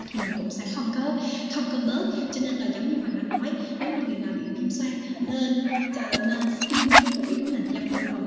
thì mình cũng sẽ không có không bớt cho nên là giống như hoàng anh nói nếu mà người nào bị viêm xoang nên trở nên tiêm cái mũi của mình giống như là